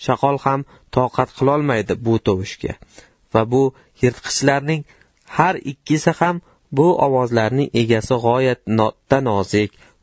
shaqol ham toqat qilolmaydi bu tovushga va bu yirtqichlarning har ikkisi ham bu ovozlarning egasi g'oyatda nozik